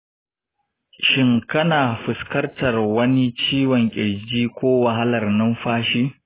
shin kana fuskantar wani ciwon kirji ko wahalar numfashi?